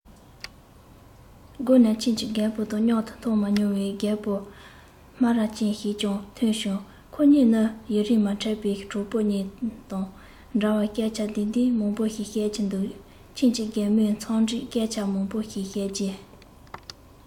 སྒོ ནས ཁྱིམ གྱི རྒད པོ དང མཉམ དུ མཐོང མ མྱོང བའི རྒད པོ སྨ ར ཅན ཞིག ཀྱང ཐོན བྱུང ཁོ གཉིས ནི ཡུན རིང མ འཕྲད པའི གྲོགས པོ གཉིས དང འདྲ བར སྐད ཆ ལྡབ ལྡིབ མང པོ ཞིག བཤད ཀྱིན འདུག ཁྱིམ གྱི རྒན མོས འཚམས འདྲིའི སྐད ཆ མང པོ ཞིག བཤད རྗེས